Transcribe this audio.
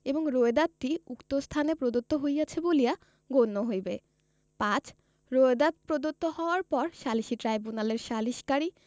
এবং রোয়েদাদটি উক্ত স্থানে প্রদত্ত হইয়াছে বলিয়া গণ্য হইবে ৫ রোয়েদাদ প্রদত্ত হওয়ার পর সালিসী ট্রাইব্যুনালের সালিসকারী